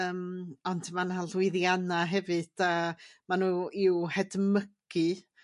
yym ond ma' 'na lwyddianna hefyd a ma' nhw i'w hedmygu